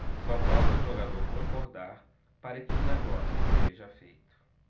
só falta o jogador concordar para que o negócio seja feito